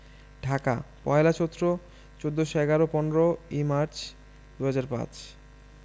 ঢাকা ১লা চৈত্র ১৪১১ ১৫ই মার্চ ২০০৫